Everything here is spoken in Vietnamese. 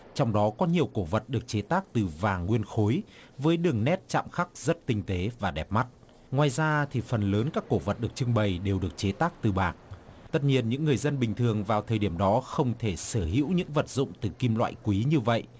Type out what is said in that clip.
trong đó có nhiều cổ vật được chế tác từ vàng nguyên khối với đường nét chạm khắc rất tinh tế và đẹp mắt ngoài ra thì phần lớn các cổ vật được trưng bày đều được chế tác từ bạc tất nhiên những người dân bình thường vào thời điểm đó không thể sở hữu những vật dụng từ kim loại quý như vậy